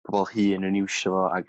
pobol hŷn yn iwsio fo ag